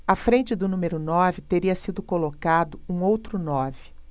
à frente do número nove teria sido colocado um outro nove